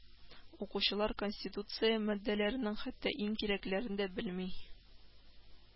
Укучылар Конституция маддәләренең хәтта иң кирәклеләрен дә белми